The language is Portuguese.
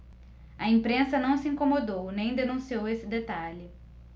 a imprensa não se incomodou nem denunciou esse detalhe